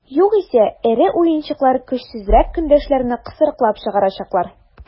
Югыйсә эре уенчылар көчсезрәк көндәшләрне кысрыклап чыгарачаклар.